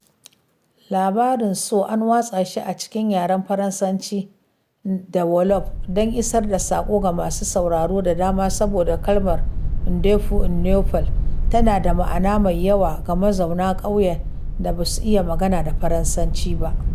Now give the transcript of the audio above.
Labarin Sow an watsa shi cikin yaren Faransanci da Wolof don isar da saƙo ga masu sauraro da dama saboda kalmar ndeup neupal tana da ma'ana mai yawa ga mazaunan ƙauyen da ba su iya magana da Faransanci ba.